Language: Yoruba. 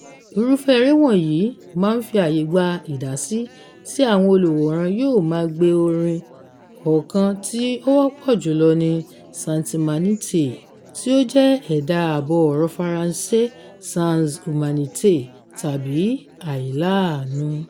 Irúfẹ́ eré wọ̀nyí máa ń fi àyè gba ìdásí, tí àwọn olùwòràn yóò máa gbe orin, ọ̀kan tí ó wọ́pọ̀ jù lọ ni "Santimanitay!", tí ó jẹ́ ẹ̀dà àbọ̀-ọ̀rọ̀ Faransé “sans humanité”, tàbí “àìláàánú”.